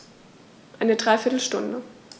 Eine dreiviertel Stunde